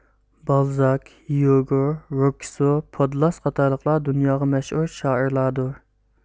بالزاك ھيوگو روكسسوۋ پودلاس قاتارلىقلاردۇنياغا مەشھۇر شائىرلاردۇر